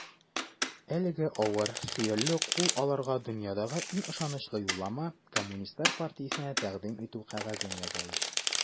Әлеге авыр, сөялле кул аларга дөньядагы иң ышанычлы юллама - Коммунистлар партиясенә тәкъдим итү кәгазен яза иде.